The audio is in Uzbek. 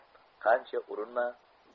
qancha urinma